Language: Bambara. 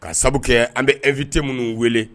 Ka sabu kɛ an bi invité munun wele.